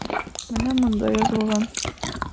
Менә монда язылган.